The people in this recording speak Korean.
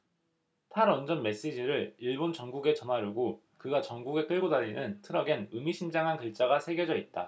탈원전 메시지를 일본 전국에 전하려고 그가 전국에 끌고 다니는 트럭엔 의미심장한 글자가 새겨져 있다